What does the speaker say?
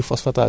da koy maye